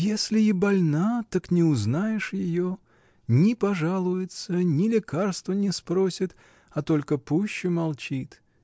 Если и больна, так не узнаешь ее: ни пожалуется, ни лекарства не спросит, а только пуще молчит.